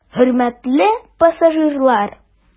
Хөрмәтле пассажирлар!